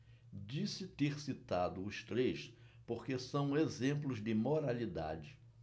disse ter citado os três porque são exemplos de moralidade